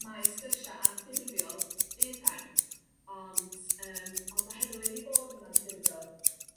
mae sgyrsia' anffurfiol fydd rhain ond yym ond oherwydd 'u bod yn anffurfiol